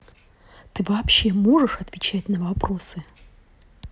ты вообще можешь отвечать на вопросы